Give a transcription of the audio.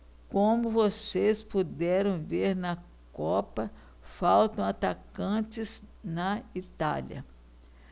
como vocês puderam ver na copa faltam atacantes na itália